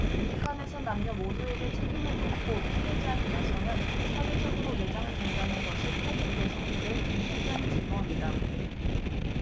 북한에선 남녀 모두에게 책임을 묻고 피해자인 여성은 사회적으로 매장된다는 것이 탈북 여성들의 공통된 증언이다